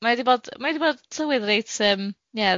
mai di bod, mai di bod tywydd reit yym ia